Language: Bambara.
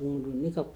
Don don ne ka